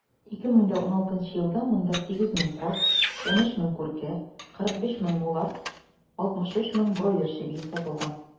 2016 елда монда 8 мең каз, 13 мең күркә, 45 мең мулард, 63 мең бройлер чебие сатылган.